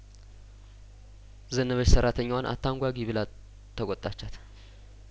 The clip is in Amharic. ዘነበች ሰራተኛዋን አታንጓጉ ብላ ተቆጣቻት